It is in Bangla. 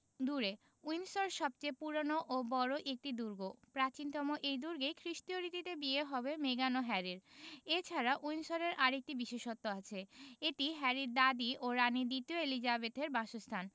দূরে উইন্ডসর সবচেয়ে পুরোনো ও বড় একটি দুর্গ প্রাচীনতম এই দুর্গেই খ্রিষ্টীয় রীতিতে বিয়ে হবে মেগান ও হ্যারির এ ছাড়া উইন্ডসরের আরেকটি বিশেষত্ব আছে এটি হ্যারির দাদি ও রানি দ্বিতীয় এলিজাবেথের বাসস্থান